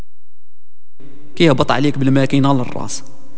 يربط عليك بالماكينه الراس